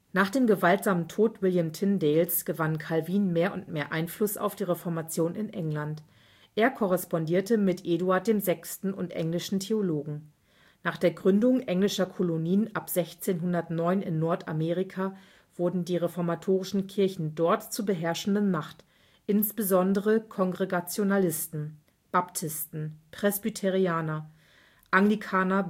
Nach dem gewaltsamen Tod William Tyndales gewann Calvin mehr und mehr Einfluss auf die Reformation in England. Er korrespondierte mit Eduard VI. und englischen Theologen. Nach der Gründung englischer Kolonien (ab 1609) in Nordamerika wurden die reformatorischen Kirchen dort zur beherrschenden Macht, insbesondere Kongregationalisten, Baptisten, Presbyterianer, Anglikaner